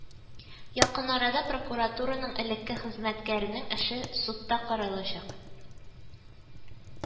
Якын арада прокуратураның элекке хезмәткәренең эше судта каралачак